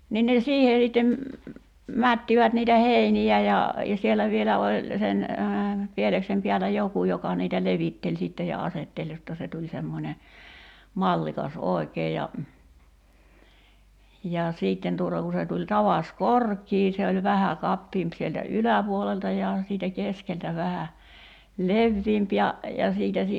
niin ne siihen sitten mättivät niitä heiniä ja ja siellä vielä oli sen pieleksen päällä joku joka niitä levitteli sitten ja asetteli jotta se tuli semmoinen mallikas oikein ja ja sitten tuota kun se tuli tavas korkea se oli vähän kapeampi sieltä yläpuolelta ja siitä keskeltä vähän leveämpi ja ja siitä -